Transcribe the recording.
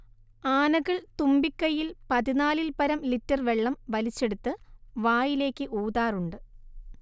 ആനകൾ തുമ്പിക്കൈയിൽ പതിനാലിൽപ്പരം ലിറ്റർ വെള്ളം വലിച്ചെടുത്ത് വായിലേക്ക് ഊതാറുണ്ട്